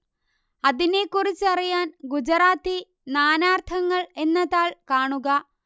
അതിനെക്കുറിച്ചറിയാൻ ഗുജറാത്തി നാനാർത്ഥങ്ങൾ എന്ന താൾ കാണുക